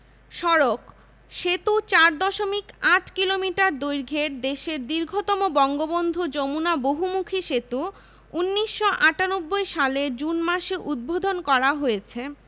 সাতক্ষীরা কক্সবাজার রাঙ্গামাটি এবং ঠাকুরগাঁও উপগ্রহ ভূ কেন্দ্রঃ চট্টগ্রামের বেতবুনিয়া